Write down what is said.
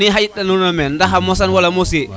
ne xaƴi tanona me ndaxa mosa wala mose